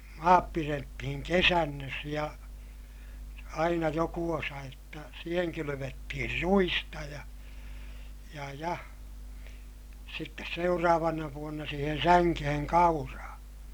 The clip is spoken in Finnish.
ja maat pidettiin kesannossa ja aina joku osa jotta siihen kylvettiin ruista ja ja ja sitten seuraavana vuonna siihen sänkeen kauraa